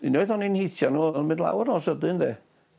unwaith o'n i'n hitio n'w o' n'w mynd lawr mor sydyn 'de?